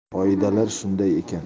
qoidalar shunday ekan